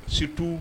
Si to